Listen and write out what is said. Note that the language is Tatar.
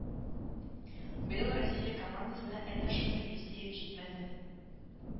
Быел Россия командасына әнә шундый Евсеев җитмәде.